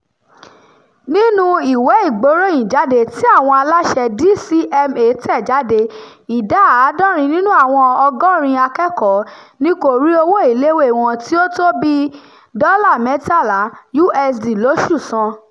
Nínú ìwé ìgbéròyìnjáde tí àwọn aláṣẹ DCMA tẹ̀ jáde, ìdá àádọ́rin nínú àwọn ọgọ́rin akẹ́kọ̀ọ́ ni kò rí owó iléèwé wọn tí ó tó bíi $13 USD lóṣù san.